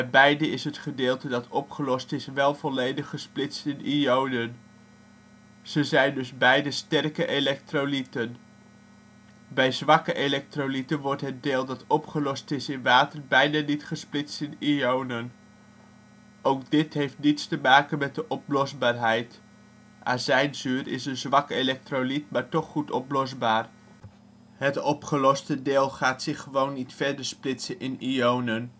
beiden is het gedeelte dat opgelost is wél volledig gesplitst in ionen. Ze zijn dus beiden sterke elektrolyten. Bij zwakke elektrolyten wordt het deel dat opgelost is in water bijna niet gesplitst in ionen. Noot: ook dit heeft niets te maken met de oplosbaarheid. Azijnzuur is een zwak elektrolyt maar toch goed oplosbaar. Het opgeloste deel gaat zich gewoon niet verder splitsen in ionen